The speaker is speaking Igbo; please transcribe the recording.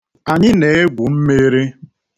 Anyị na-egwu mmiri.